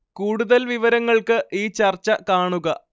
കൂടുതൽ വിവരങ്ങൾക്ക് ഈ ചർച്ച കാണുക